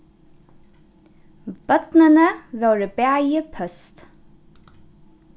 børnini vóru bæði pøst